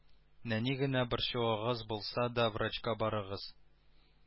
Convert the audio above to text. Нәни генә борчуыгыз булса да врачка барыгыз